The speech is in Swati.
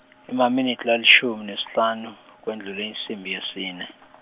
Emaminitsi lalishumi nesihlanu, kwendlule insimbi yesine.